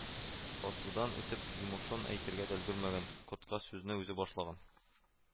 Басудан үтеп йомышын әйтергә дә өлгермәгән, кортка сүзне үзе башлаган: